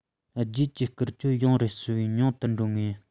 རྗེས ཀྱི བསྐྱར གཅོད ཡོང རེ ཞུས པའི ཉུང དུ འགྲོ ངེས ཡིན